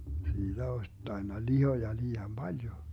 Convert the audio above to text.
siitä olisi tainnut lihoa liian paljon